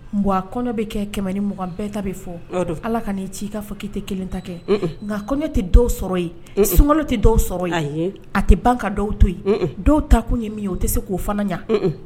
Bon a kɔɲɔn bɛ kɛ 120, bɛɛ ta bɛ fɔ, unun, alllah ka n'i ci I k'a fɔ ko kelen ta kɛ, unun, nka kɔɲɔn tɛ dɔw sɔrɔ yen , sunkalo tɛ dɔw sɔrɔ yen, ayi, ,a tɛ ban ka dɔw to yen ,dɔw taa kun ye min ye u tɛ se k'o fana ɲɛ, un.